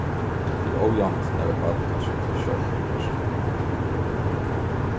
tað er ójavnt nær eitt barn kann súkkla sjálvt í ferðsluni